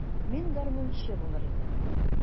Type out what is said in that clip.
Мин гармунчы булыр идем.